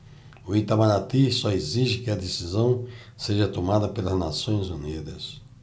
o itamaraty só exige que a decisão seja tomada pelas nações unidas